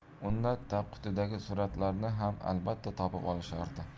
unda tagqutidagi suratlarni ham albatta topib olishardi